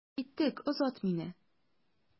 Киттек, озат мине.